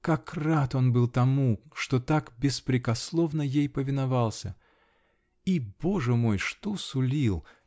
Как рад он был тому, что так беспрекословно ей повиновался! И, боже мой, что сулил.